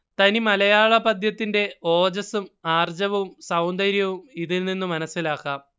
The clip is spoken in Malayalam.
തനിമലയാള പദ്യത്തിന്റെ ഓജസ്സും ആർജവവും സൗന്ദര്യവും ഇതിൽനിന്നു മനസ്സിലാക്കാം